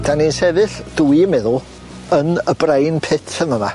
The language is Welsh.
'Da ni'n sefyll, dwi'n meddwl, yn y brain pit yn fa' ma.